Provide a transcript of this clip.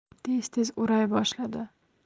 tez tez o'ray boshladi